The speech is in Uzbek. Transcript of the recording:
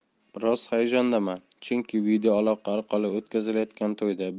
biroz hayajondaman chunki videoaloqa orqali o'tkazilayotgan to'yda